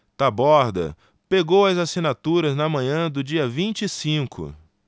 taborda pegou as assinaturas na manhã do dia vinte e cinco